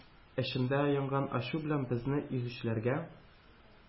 Эчемдә янган ачу белән безне изүчеләргә